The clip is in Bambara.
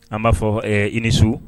An b'a fɔ i ni su